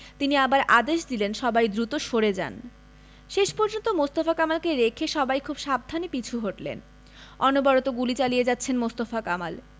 তিনি আবার আদেশ দিলেন সবাই দ্রুত সরে যান শেষ পর্যন্ত মোস্তফা কামালকে রেখে সবাই খুব সাবধানে পিছু হটলেন অনবরত গুলি চালিয়ে যাচ্ছেন মোস্তফা কামাল